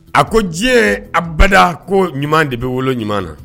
A ko diɲɛ abada ko ɲuman de bɛ wolo ɲuman na